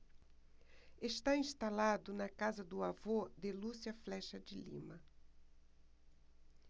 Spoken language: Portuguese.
está instalado na casa do avô de lúcia flexa de lima